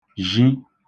zhi